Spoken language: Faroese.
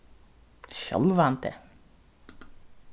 sjálvandi